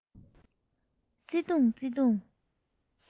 བརྩེ དུང བརྩེ དུང